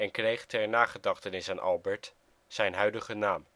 kreeg ter nagedachtenis aan Albert zijn huidige naam